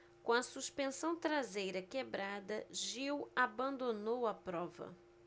com a suspensão traseira quebrada gil abandonou a prova